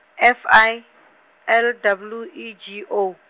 F I , L W E G O.